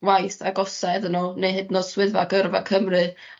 waith agosa iddyn n'w neu hyd yn o'd swyddfa gyrfa Cymru